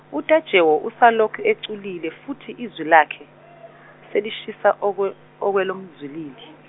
uTajewo usalokhu eculile futhi izwi lakhe , selishisa okwe- okwelomzwilili .